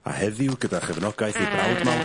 A heddiw gyda chefnogaeth ei brawd mawr...